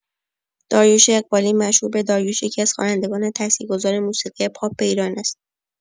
داریوش اقبالی، مشهور به داریوش، یکی‌از خوانندگان تأثیرگذار موسیقی پاپ ایران است.